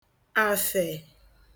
àfè